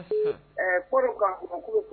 Ko' kulubali